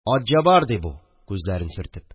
– атҗабар, – ди бу күзләрен сөртеп